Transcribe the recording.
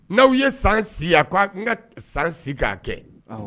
N'aw ye san si a ko a n ka san si k'a kɛ